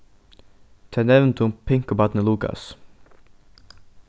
tey nevndu pinkubarnið lukas